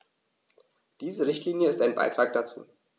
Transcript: Diese Richtlinie ist ein Beitrag dazu.